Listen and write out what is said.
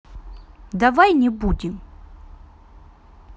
давай не будем